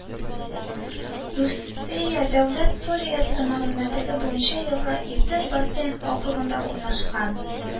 Русия дәүләт су реестры мәгълүматы буенча елга Иртеш бассейн округында урнашкан